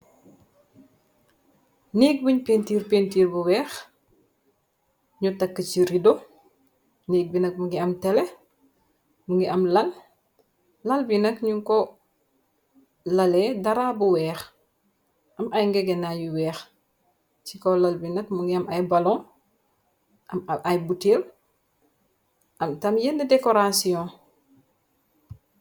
Néeg buñg pentiir pentiir bu weex ñu takk ci rido néeg bi nag mu ngi am tele mu ngi am lal lal bi nag ñu ko lalee daraa bu weex am ay ngegena yu weex ci ko lal bi nag mu ngi am ay balon am ay butil am tam yenne dekoration.